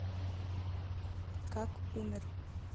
как умер